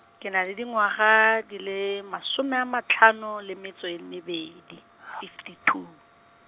ke na le dingwaga di le masome a matlhano le metso e mebedi , fifty two.